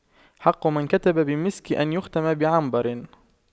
حق من كتب بمسك أن يختم بعنبر